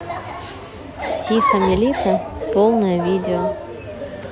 тихо милита полное видео